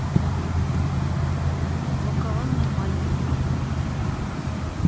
вакован нормальный